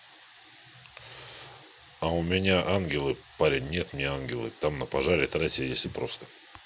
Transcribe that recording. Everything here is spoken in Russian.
а у меня ангелы парень нет мне ангелы там на пожаре тратили если просто